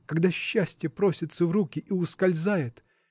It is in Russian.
когда счастье просится в руки и ускользает.